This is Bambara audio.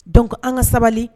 Donc an ŋa sabali